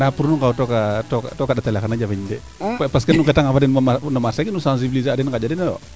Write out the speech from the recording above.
nda pour nu ngaw tooka tooka ndata le xana jafe de parce que nu ngeta nga fa den moom no marcher nu sansibliser a den ŋaƴa denoyo